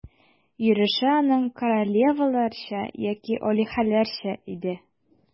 Йөреше аның королеваларча яки алиһәләрчә иде.